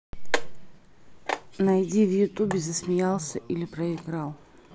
найди в ютубе засмеялся или проиграл